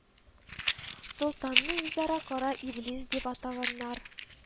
Солтанны үзара кара иблис дип атаганнар